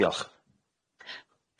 Diolch.